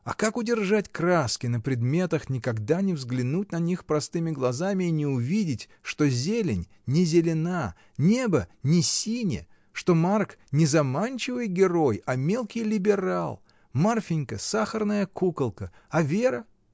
А как удержать краски на предметах, никогда не взглянуть на них простыми глазами и не увидеть, что зелень не зелена, небо не сине, что Марк не заманчивый герой, а мелкий либерал, Марфинька сахарная куколка, а Вера.